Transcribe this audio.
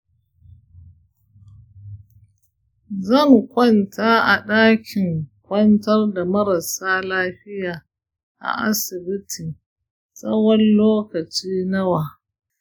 zan kwanta a ɗakin kwantar da marasa lafiya a asibiti tsawon lokaci nawa?